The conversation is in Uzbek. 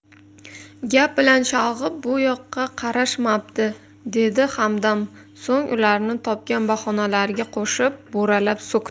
gap bilan chalg'ib bu yoqqa qarashmabdi dedi hamdam so'ng ularni topgan bahonalariga qo'shib bo'ralab so'kdi